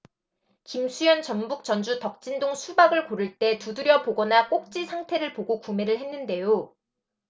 김수현 전북 전주 덕진동 수박을 고를 때 두드려보거나 꼭지 상태를 보고 구매를 했는데요